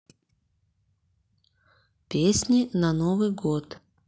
песни на новый год